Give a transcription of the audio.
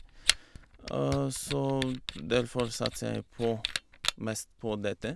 Så t derfor satser jeg på mest på dette.